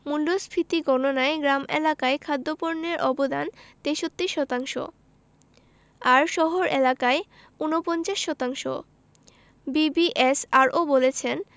মূল্যস্ফীতি গণনায় গ্রাম এলাকায় খাদ্যপণ্যের অবদান ৬৩ শতাংশ আর শহর এলাকায় ৪৯ শতাংশ বিবিএস আরও বলছে